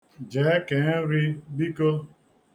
Jee kee nri biko.